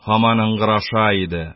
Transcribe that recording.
Һаман ыңгыраша иде.